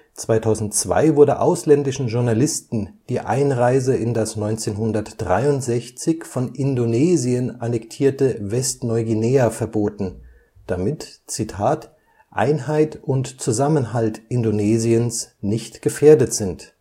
2002 wurde ausländischen Journalisten die Einreise in das 1963 von Indonesien annektierte Westneuguinea verboten, damit „ Einheit und Zusammenhalt Indonesiens nicht gefährdet sind